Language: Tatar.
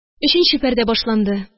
Өченче пәрдә башланды.